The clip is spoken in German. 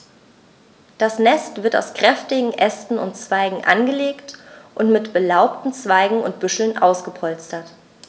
Das Nest wird aus kräftigen Ästen und Zweigen angelegt und mit belaubten Zweigen und Büscheln ausgepolstert.